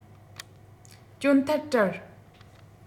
གྱོན ཐབས བྲལ